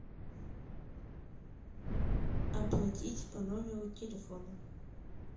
оплатить по номеру телефона